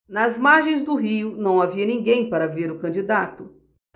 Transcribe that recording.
nas margens do rio não havia ninguém para ver o candidato